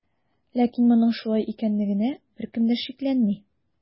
Ләкин моның шулай икәнлегенә беркем дә шикләнми.